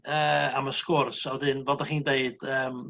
...yy am y sgwrs a wedyn fel 'dach chi'n deud yym